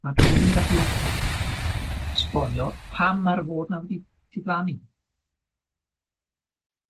A dwi ddim yn gallu esbonio pam ma'r fod 'na wedi diflannu.